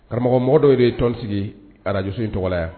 Karamɔgɔ mɔgɔdɔw de ye tɔn sigi arajo so in tɔgɔ la yan